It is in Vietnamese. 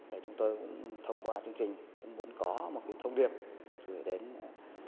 để chúng tôi cũng thông qua chương trình cũng muốn có một cái thông điệp gửi đến